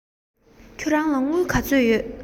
ཁྱེད རང ལ དངུལ ག ཚོད ཡོད